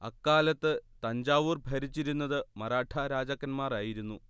അക്കാലത്ത് തഞ്ചാവൂർ ഭരിച്ചിരുന്നത് മറാഠാ രാജാക്കന്മാരായിരുന്നു